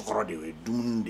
Kɔrɔ de ye dumuni de ye